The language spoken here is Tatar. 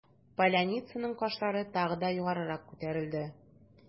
Поляницаның кашлары тагы да югарырак күтәрелде.